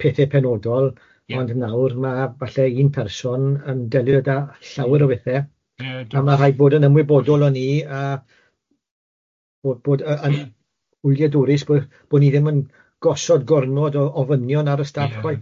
pethe penodol... Ie. ...ond nawr ma' falle un person yn delio da llawer o bethe... Ie. ...a ma' rhaid bod yn ymwybodol o ni a bod bod yn wyliadwrus bod bod ni ddim yn gosod gormod o ofynion ar y staff chwaith. Ia.